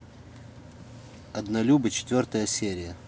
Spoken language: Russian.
однолюбы четвертая серия